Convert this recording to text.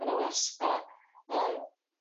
yn y wers yy yr